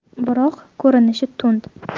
biroq ko'rinishi tund